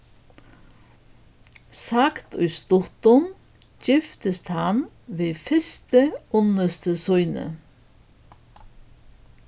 sagt í stuttum giftist hann við fyrstu unnustu síni